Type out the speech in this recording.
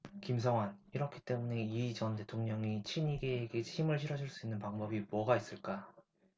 김성완 이렇기 때문에 이 전 대통령이 친이계에게 힘을 실어줄 수 있는 방법이 뭐가 있을까